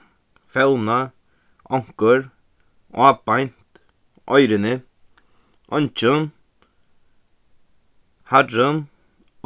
fevna onkur ábeint oyruni eingin harrin